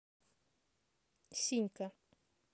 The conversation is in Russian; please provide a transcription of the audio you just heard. синька